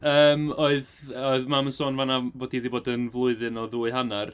Yym oedd oedd Mam yn sôn fan'na fod hi 'di bod yn flwyddyn o ddwy hanner.